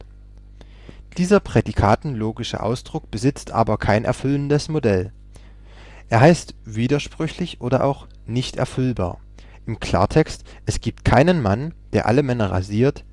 Dieser prädikatenlogische Ausdruck besitzt aber kein erfüllendes Modell, er heißt widersprüchlich oder auch nicht erfüllbar. Im Klartext, es gibt keinen Mann, der alle Männer rasiert